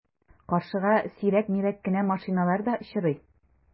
Каршыга сирәк-мирәк кенә машиналар да очрый.